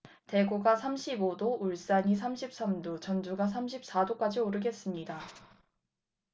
대구가 삼십 오 도 울산이 삼십 삼 도 전주가 삼십 사 도까지 오르겠습니다